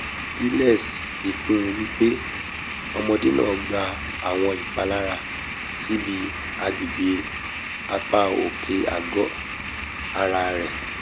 Giles fi kún un wípé ọmọdé̀ náà gba àwọn ìpalára síbi agbègbè̀ apá òké àgọ́ ara rẹ̀.